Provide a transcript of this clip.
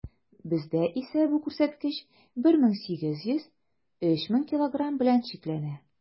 Бездә исә бу күрсәткеч 1800 - 3000 килограмм белән чикләнә.